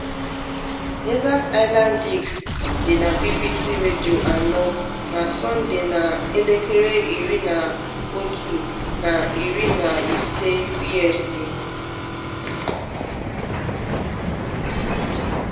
Desert Island Discs dị na BBC Radio 4 na Sọnde na 11:15 BST.